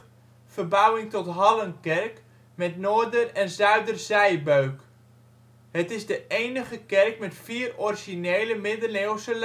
verbouwing tot hallenkerk met noorder - en zuiderzijbeuk). Het is de enige kerk met vier originele middeleeuwse